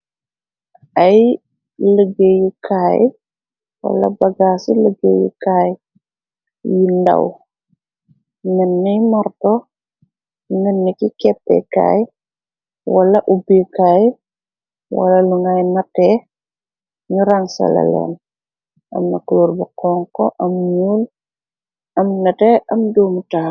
Ay lëggéeyu kaay wala bagaa ci lëggéeyukaay yi ndaw nenni morto nënni ki keppekaay wala ubbikaay wala lu ngay nate ñu rangsala leen amna kulóor ba xoŋko am ñuul am nate am doomu taahal.